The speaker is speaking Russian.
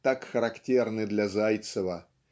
так характерны для Зайцева.